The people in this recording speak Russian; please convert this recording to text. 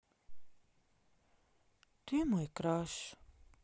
ты мой краш